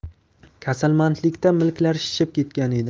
kasalmandlikdan milklari shishib ketgan edi